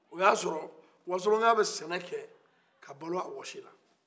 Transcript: o ye a sɔrɔ wasolo ka bɛ sɛnɛkɛ ka balo a wasi la